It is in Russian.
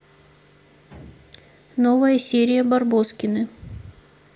новая серия барбоскины